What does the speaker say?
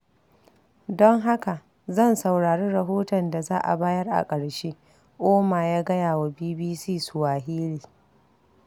Don haka, zan saurari rahoton da za a bayar a ƙarshe, Ouma ya gaya wa BBC Swahili.